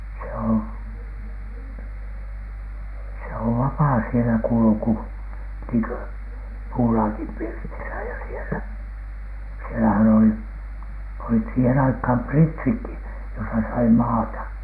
se on se on vapaa siellä kulku niin kuin puulaakin pirtissä ja siellä siellähän olivat olivat siihen aikaan pritsitkin jossa sai maata